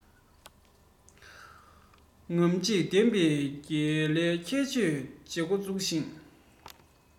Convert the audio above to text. རྔམ བརྗིད ལྡན པའི རྒྱལ གླུའི ཁྲོད ཚོགས ཆེན འགོ ཚུགས ཤིང